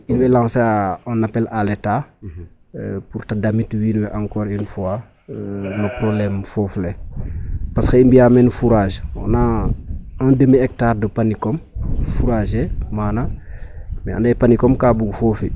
In wey lancer a un appelle a l' Etat pour ta damit wiin we encore une fois no probleme foof le. Parce que ka i mbi'aa men forage on a un demi hectar de panicome forager maana mais ande panicome kaa bug foofi.